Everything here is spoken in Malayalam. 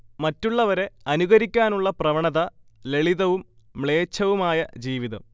മറ്റുള്ളവരെ അനുകരിക്കാനുള്ള പ്രവണത ലളിതവും മ്ലേച്ഛവുമായ ജീവിതം